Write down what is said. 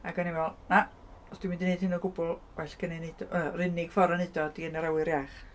Ac o'n i'n meddwl, "na! Os dwi'n mynd i wneud hyn o gwbl, well gennai wneud o- y- w- yr unig ffordd o wneud o ydy yn yr awyr iach."